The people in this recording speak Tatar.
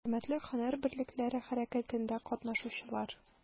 Хөрмәтле һөнәр берлекләре хәрәкәтендә катнашучылар!